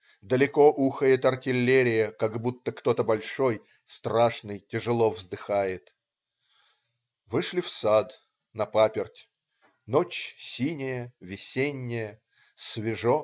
Далеко ухает артиллерия, как будто кто-то большой, страшный тяжело вздыхает. Вошли в сад, на паперть. Ночь синяя, весенняя. Свежо.